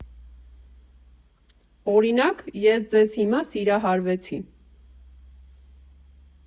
Օրինակ՝ ես ձեզ հիմա սիրահարվեցի։